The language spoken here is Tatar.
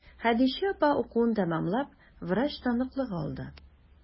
Хәдичә апа укуын тәмамлап, врач таныклыгы алды.